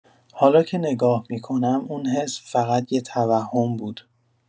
حالا که نگاه می‌کنم، اون حس فقط یه توهم بود.